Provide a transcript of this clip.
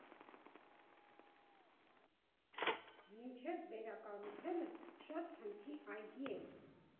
Մինչև վերակառուցելը շատ փնթի այգի էր։